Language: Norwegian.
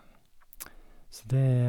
Så det...